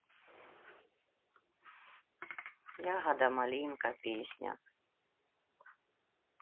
ягода малинка песня